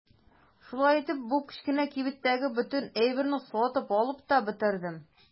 Шулай итеп бу кечкенә кибеттәге бөтен әйберне сатып алып та бетердем.